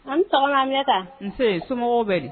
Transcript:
An tɔgɔ an ɲɛ ta somɔgɔw bɛ